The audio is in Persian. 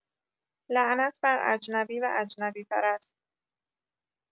لعنت بر اجنبی و اجنبی پرست!